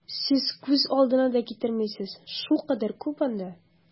Сез күз алдына да китермисез, шулкадәр күп ул анда!